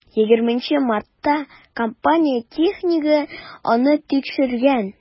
20 мартта компания технигы аны тикшергән.